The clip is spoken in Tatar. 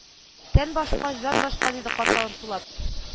Тән башка, җан башка, диде карт, авыр сулап